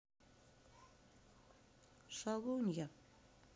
шалунья